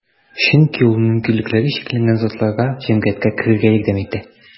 Чөнки ул мөмкинлекләре чикләнгән затларга җәмгыятькә керергә ярдәм итә.